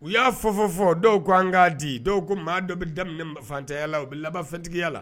U y'a fɔ fɔ fɔ dɔw ko an k'a di dɔw ko maa dɔw bɛ daminɛfantanya la u bɛ labantigiya la